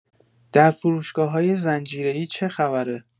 در فروشگاه‌های زنجیره‌ای چه خبره؟